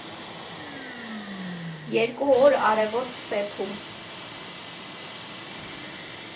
ԵՐԿՈՒ ՕՐ ԱՐԵՎՈՏ ՍՏԵՓՈՒՄ։